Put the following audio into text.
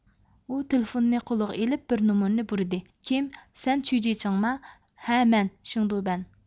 ئۇ تېلېفوننى قولىغا ئېلىپ بىر نومۇرنى بۇرىدى كىم سەن چۈيجىچىڭما ھە مەن شېڭدۇبەن